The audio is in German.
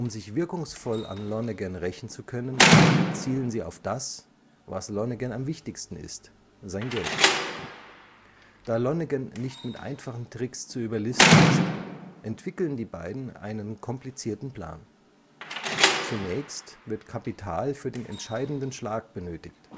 sich wirkungsvoll an Lonnegan rächen zu können, zielen sie auf das, was Lonnegan am wichtigsten ist: sein Geld. Da Lonnegan nicht mit einfachen Tricks zu überlisten ist, entwickeln die beiden einen komplizierten Plan. Zunächst wird Kapital für den entscheidenden Schlag benötigt